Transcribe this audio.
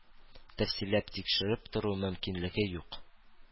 Тәфсилләп тикшереп тору мөмкинлеге юк